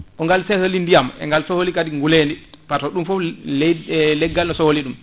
e ngal sohli ndiyam e ngal sohli kadi wuleede pato ɗum foof leyɗe leggal no sohli ɗum